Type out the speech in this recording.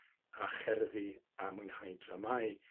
a cherddi a mwynhau dramâu.